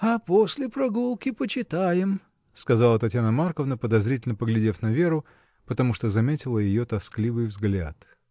— А после прогулки почитаем, — сказала Татьяна Марковна, подозрительно поглядев на Веру, потому что заметила ее тоскливый взгляд.